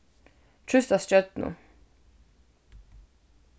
trýst á stjørnu